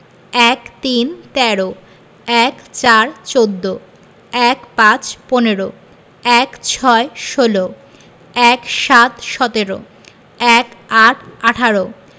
১৩ - তেরো ১৪ - চৌদ্দ ১৫ – পনেরো ১৬ - ষোল ১৭ - সতেরো ১৮ - আঠারো